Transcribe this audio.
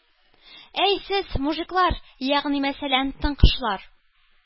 -әй сез, мужиклар, ягъни мәсәлән, тыңкышлар,